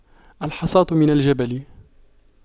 الحصاة من الجبل